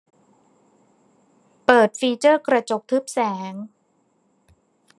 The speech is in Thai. เปิดฟีเจอร์กระจกทึบแสง